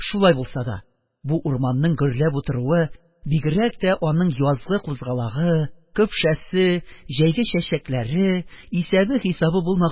Шулай булса да, бу урманның гөрләп утыруы, бигрәк тә аның язгы кузгалагы, көпшәсе, җәйге чәчәкләре, исәбе-хисабы булмаган